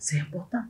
C'est important